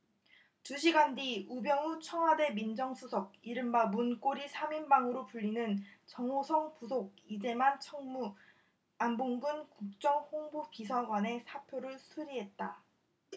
두 시간 뒤 우병우 청와대 민정수석 이른바 문고리 삼 인방으로 불리는 정호성 부속 이재만 총무 안봉근 국정홍보비서관의 사표를 수리했다